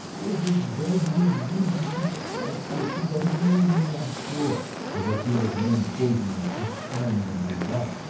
Боже, дай ей жизнь и счастье и возьми у меня всё!” — вопила в нем поздняя, отчаянная мольба.